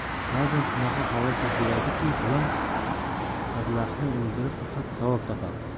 ba'zan shunaqa holat yuz beradi ki biron ablahni o'ldirib faqat savob topasiz